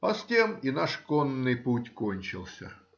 а с тем и наш конный путь кончился.